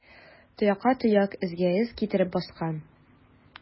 Тоякка тояк, эзгә эз китереп баскан.